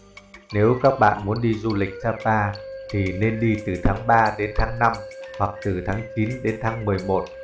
nếu các bạn muốn đi du lịch sapa thì nên đi từ tháng đến tháng hoặc từ tháng đến tháng